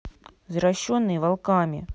взрощенные волками